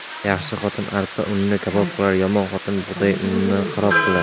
yaxshi xotin arpa unni kabob qilar yomon xotin bug'doy unni xarob qilar